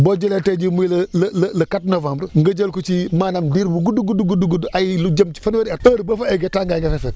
boo jëlee tey jii muy le le le quatre novembre nga jël ko ci maanaam diir bu gudd a gudd gudd ay lu jëm ci fanweeri atheure boo fa eggee tàngaay nga fay fekk